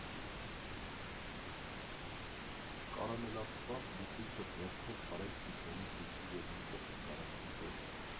Կարամելացված լուծույթը ձեռքով հարել կիտրոնի հյութի և մի փոքր կարագի հետ։